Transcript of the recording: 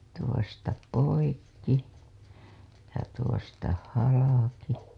tuosta poikki ja tuosta halki